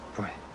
Pwy?